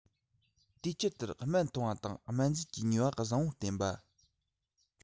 དུས བཅད ལྟར སྨན འཐུང བ དང སྨན རྫས ཀྱི ནུས པ བཟང པོར བསྟེན པ